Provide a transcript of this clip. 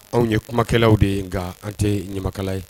Anw ye kumakɛlaw de ye nka an tɛ ɲamakala ye